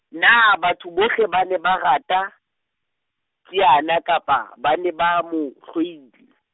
na batho bohle ba ne ba rata, Kiana kapa, ba ne ba, mo, hloile.